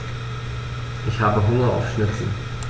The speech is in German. Ich habe Hunger auf Schnitzel.